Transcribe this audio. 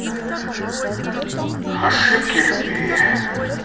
ошибки любви